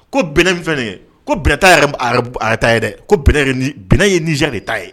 Ko bɛn in fana ye kotata dɛ ko bɛn ye de ta ye